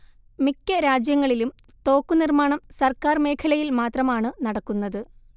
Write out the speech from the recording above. മിക്ക രാജ്യങ്ങളിലും തോക്കുനിർമ്മാണം സർക്കാർ മേഖലയിൽ മാത്രമാണ് നടക്കുന്നത്